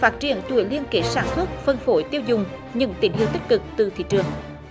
phát triển chuỗi liên kết sản xuất phân phối tiêu dùng những tín hiệu tích cực từ thị trường